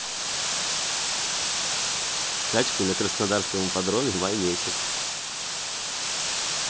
скачки на краснодарском ипподроме май месяц